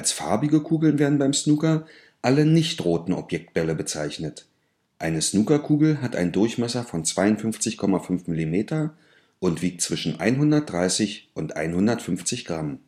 Farbige Kugeln werden beim Snooker alle nicht-roten Objektbälle bezeichnet. Eine Snookerkugel hat einen Durchmesser von 52,5 mm und wiegt zwischen 130 und 150 g